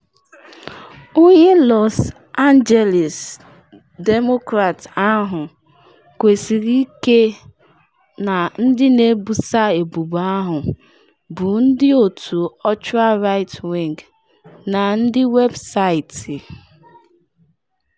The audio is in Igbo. Onye Los Angeles Demokrat ahụ kwusiri ike na ndị na-ebusa ebubo ahụ bụ ndị otu “ultra-right wing” na ndị websaịtị.